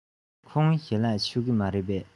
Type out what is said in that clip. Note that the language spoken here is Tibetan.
ཁོང ཁ ལག མཆོད ཀྱི མ རེད པས